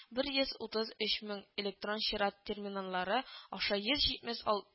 Бер йөз утыз өч мең, электрон чират терминаллары аша йөз җитмеш